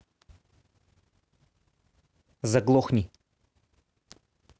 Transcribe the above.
заглохни